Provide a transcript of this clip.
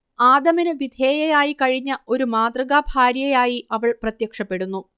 ആദമിനു വിധേയയായി കഴിഞ്ഞ ഒരു മാതൃകാഭാര്യ യായി അവൾ പ്രത്യക്ഷപ്പെടുന്നു